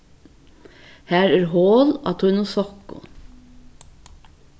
har er hol á tínum sokkum